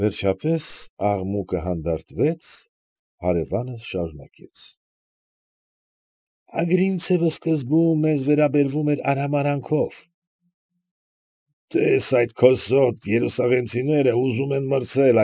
Վերջապես աղմուկը հանդարտվեց, հարևանս շարունակեց. ֊ Ագրինցևը սկզբում մեզ վերաբերվում էր արհամարհանքով։ «Տե՛ս, այդ քոսոտ երուսաղեմցիները ուզում են մրցել։